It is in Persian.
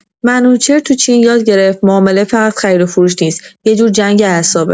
منوچهر تو چین یاد گرفت معامله فقط خرید و فروش نیست، یه جور جنگ اعصابه.